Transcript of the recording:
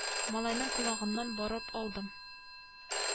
Әкрен генә күтәрелеп карыйм...